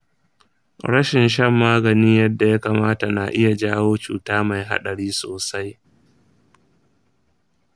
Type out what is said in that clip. rashin shan magani yadda ya kamata na iya jawo cuta mai haɗari sosai.